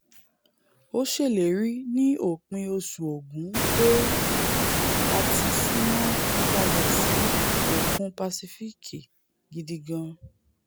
ó ṣèlérí ní òpin oṣù Ògún pe ''A ti súnmọ pípadà sí Òkun Pàsif́ìkì gidi gáàn''.